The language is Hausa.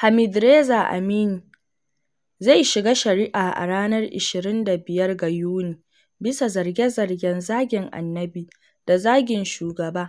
Hamidreza Amini zai shiga shari’a a ranar 25 ga Yuni bisa zarge-zargen “zagin annabi,” da “zagin shugaba,”